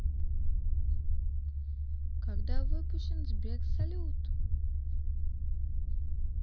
когда выпущен сбер салют